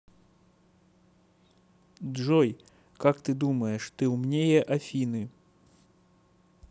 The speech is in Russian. джой как ты думаешь ты умнее афины